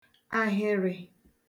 ahịrị̄